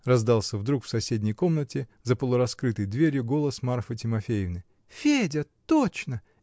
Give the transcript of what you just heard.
-- раздался вдруг в соседней комнате за полураскрытой дверью голос Марфы Тимофеевны, -- Федя, точно!